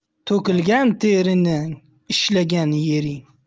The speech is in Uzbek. to'kilgan tering ishlagan yering